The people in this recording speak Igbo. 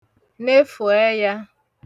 nefù ẹyā